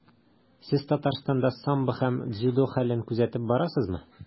Сез Татарстанда самбо һәм дзюдо хәлен күзәтеп барасызмы?